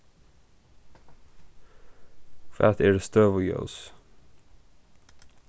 hvat eru støðuljós